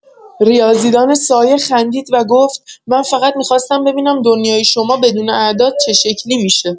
ریاضی‌دان سایه خندید و گفت: «من فقط می‌خواستم ببینم دنیای شما بدون اعداد چه شکلی می‌شه.»